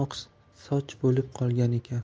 oqsoch bo'lib qolgan ekan